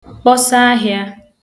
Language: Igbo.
kpọsa ahịa